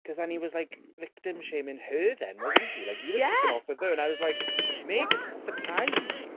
'Cause then he was, like, victim shaming her then, wasn't she? Like, he was... Ie!... Kicking off with her and I was like, mate, it's not the time.